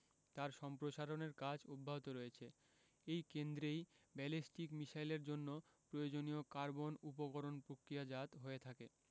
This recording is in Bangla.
তার সম্প্রসারণের কাজ অব্যাহত রয়েছে এই কেন্দ্রেই ব্যালিস্টিক মিসাইলের জন্য প্রয়োজনীয় কার্বন উপকরণ প্রক্রিয়াজাত হয়ে থাকে